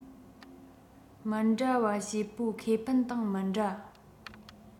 མི འདྲ བ བྱེད པོའི ཁེ ཕན དང མི འདྲ